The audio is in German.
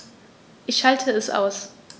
Ich schalte es aus.